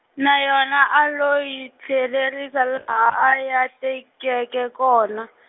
na yona a lo yi tlherisa laha a ya tekeke kona.